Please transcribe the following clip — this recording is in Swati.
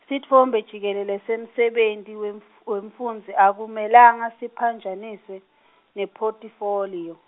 sitfombe jikelele semsebenti wemf- wemfundzi akumelanga siphanjaniswe , nephothifoliyo.